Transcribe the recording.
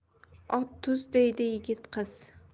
ot tuz deydi yigit qiz